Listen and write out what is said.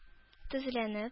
Тезләнеп